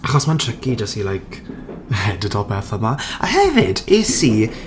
Achos mae'n tricky jyst i like, edito y pethau 'ma a hefyd, es i...